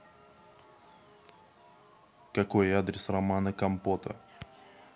какой адрес романа компота